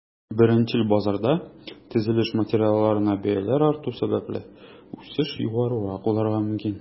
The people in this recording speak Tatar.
Беренчел базарда, төзелеш материалларына бәяләр арту сәбәпле, үсеш югарырак булырга мөмкин.